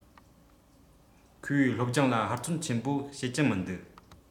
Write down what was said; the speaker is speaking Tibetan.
ཁོས སློབ སྦྱོང ལ ཧུར བརྩོན ཆེན པོ བྱེད ཀྱི མི འདུག